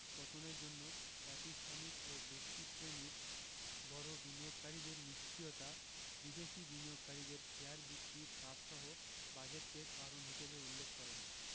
পতনের জন্য প্রাতিষ্ঠানিক ও ব্যক্তিশ্রেণির বড় বিনিয়োগকারীদের নিষ্ক্রিয়তা বিদেশি বিনিয়োগকারীদের শেয়ার বিক্রির চাপসহ বাজেটকে কারণ হিসেবে উল্লেখ করেন